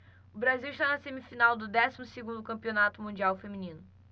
o brasil está na semifinal do décimo segundo campeonato mundial feminino